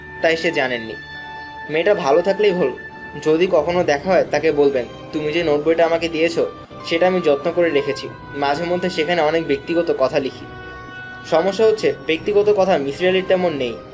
তাই সে জানেন নি মেয়েটা ভালাে থাকলেই হলাে যদি কখনাে দেখা হয় তাকে বলবেন তুমি যে নােটবইটা আমাকে দিয়েছ সেটা আমি যত্ন করে রেখেছি মাঝে মধ্যে সেখানে অনেক ব্যক্তিগত কথা লিখি সমস্যা হচ্ছে ব্যক্তিগত কথা মিসির আলির তেমন নেই